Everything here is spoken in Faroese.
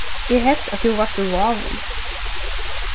eg helt at tú vart úr vágum